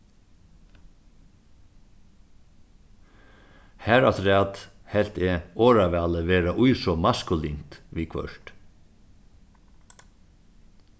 harafturat helt eg orðavalið vera í so maskulint viðhvørt